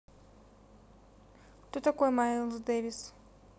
кто такой майлз дэвис